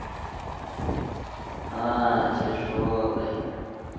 а тяжелая